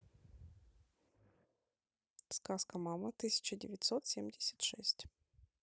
сказка мама тысяча девятьсот семьдесят шесть